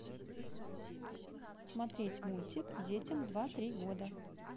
смотреть мультик детям два три года